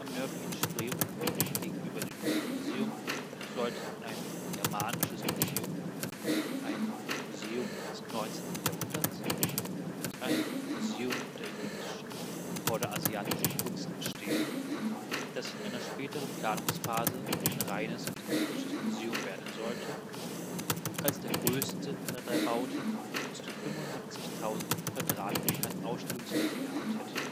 nördlichen Spreeufer, gegenüber dem Bodemuseum, sollten ein „ Germanisches Museum “, ein „ Museum des 19. Jahrhunderts “und ein „ Museum der ägyptischen und vorderasiatischen Kunst “entstehen, das in einer späteren Planungsphase ein reines Ägyptisches Museum werden sollte und als der größte der drei Bauten bis zu 75.000 m² Ausstellungsfläche gehabt hätte